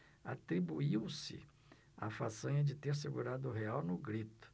atribuiu-se a façanha de ter segurado o real no grito